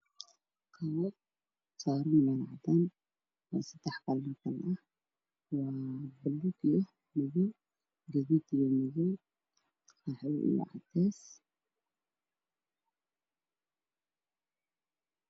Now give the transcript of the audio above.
Waa kaba midabkooda ka kooban yahay guduud buluug madow meesha ay saaran yihiin waa meel caddaan